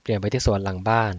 เปลี่ยนไปที่สวนหลังบ้าน